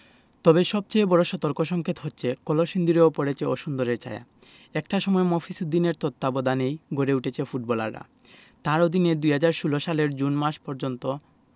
তবে সবচেয়ে বড় সতর্কসংকেত হচ্ছে কলসিন্দুরেও পড়েছে অসুন্দরের ছায়া একটা সময় মফিজ উদ্দিনের তত্ত্বাবধানেই গড়ে উঠেছে ফুটবলাররা তাঁর অধীনে ২০১৬ সালের জুন পর্যন্ত